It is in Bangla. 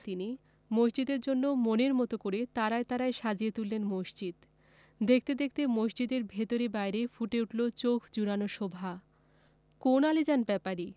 তিনি মসজিদের জন্যে মনের মতো করে তারায় তারায় সাজিয়ে তুললেন মসজিদ দেখতে দেখতে মসজিদের ভেতরে বাইরে ফুটে উঠলো চোখ জুড়োনো শোভা কোন আলীজান ব্যাপারী